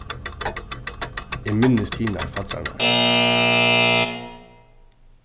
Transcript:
eg minnist hinar faddrarnar